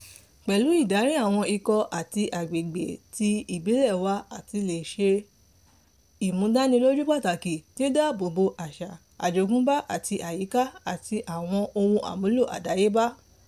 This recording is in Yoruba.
Pẹ̀lú ìdarí àwọn ikọ̀ àti agbègbè ti ìbílẹ̀ wa àti lè ṣe ìmúdánilójú pàtàkì dídáábòbò àṣà àjogúnbá pẹ̀lú àyíká àti àwọn ohun àmúlò àdáyébá.